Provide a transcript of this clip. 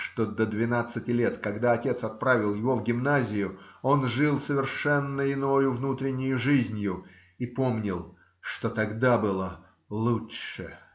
что до двенадцати лет, когда отец отправил его в гимназию, он жил совершенно иною внутреннею жизнью, и помнил, что тогда было лучше.